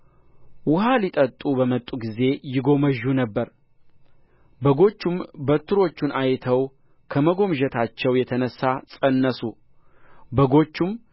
ውኃ ሊጠጡ በመጡ ጊዜ ይጎመጁ ነበር በጎቹም በትሮቹን አይተው ከመጎምጀታቸው የተነሣ ፀነሱ በጎቹም